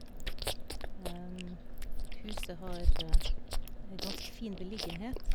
Huset har ganske fin beliggenhet.